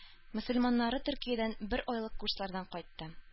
Мөселманнары төркиядән бер айлык курслардан кайтты